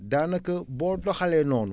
daanaka boo doxalee noonu